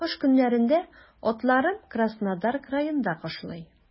Кыш көннәрендә атларым Краснодар краенда кышлый.